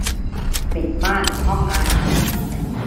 ปิดม่านห้องอาหาร